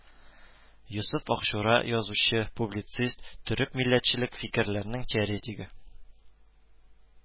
Йосыф Акчура язучы, публицист, төрек милләтчелек фикерләрнең теоретигы